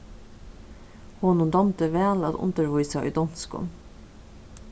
honum dámdi væl at undirvísa í donskum